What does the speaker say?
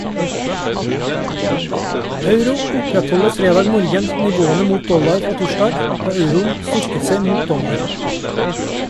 Euro opprettholder fredag morgen nivåene mot dollar fra torsdag, da euroen styrket seg mot dollar.